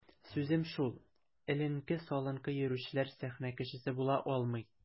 Сүзем шул: эленке-салынкы йөрүчеләр сәхнә кешесе була алмый.